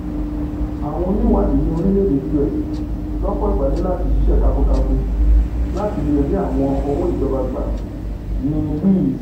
Àwọn oní-ìwáàdí ní orílẹ̀-èdè U.S. lọ́pọ̀ ìgbà ní láti ṣiṣẹ́ takun-takun láti leè rí àwọn owó ìjọba gbà, ni Lee sọ.